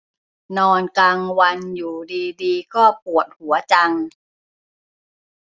นอนกลางวันอยู่ดีดีก็ปวดหัวจัง